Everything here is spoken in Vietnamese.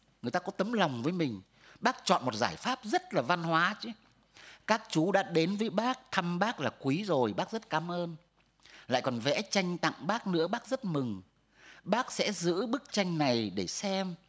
người ta có tấm lòng với mình bác chọn một giải pháp rất là văn hóa chứ các chú đã đến với bác thăm bác là quý rồi bác rất cám ơn lại còn vẽ tranh tặng bác nữa bác rất mừng bác sẽ giữ bức tranh này để xem